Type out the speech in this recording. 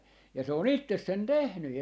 ja se on itse sen tehnyt